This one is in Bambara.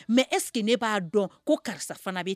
Mɛ eseke ne b'a dɔn ko karisa fana bɛ